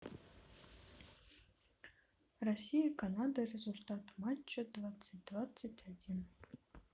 россия канада результат матча двадцать двадцать один